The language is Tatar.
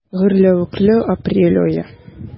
Гөрләвекле апрель ае.